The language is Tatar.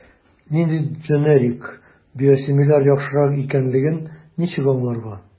Нинди дженерик/биосимиляр яхшырак икәнлеген ничек аңларга?